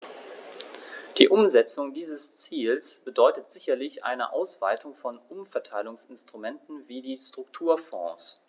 Die Umsetzung dieses Ziels bedeutet sicherlich eine Ausweitung von Umverteilungsinstrumenten wie die Strukturfonds.